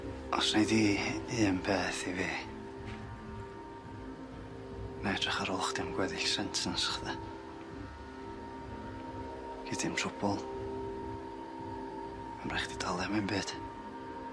Os nei di un peth i fi, na'i edrych ar ôl chdi am gweddill sentence chdi, gei di 'im trwbl, 'im rai' chdi dal am 'im byd.